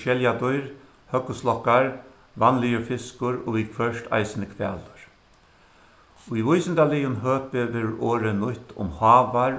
skeljadýr høgguslokkar vanligur fiskur og viðhvørt eisini hvalur í vísindaligum høpi verður orðið nýtt um hávar